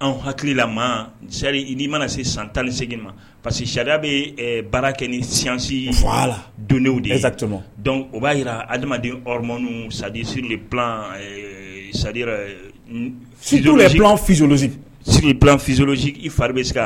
Anw hakilila sari n'i mana se san tan nisegin ma parce que sa bɛ baara kɛ ni sinsi fɔ a la don de o b'a jirara adamaden sadi siri sazz fari bɛ se